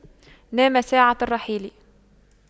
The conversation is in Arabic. نام ساعة الرحيل